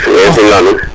maxey simna nuun